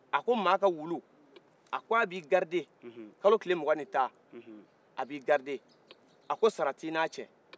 a ko ma ka wulu a k'a b'i grade kalo tile mougan ni tan a b'i garde a ko sara t'i na cɛ